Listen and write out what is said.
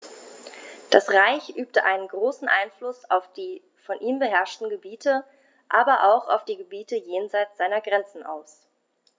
Das Reich übte einen großen Einfluss auf die von ihm beherrschten Gebiete, aber auch auf die Gebiete jenseits seiner Grenzen aus.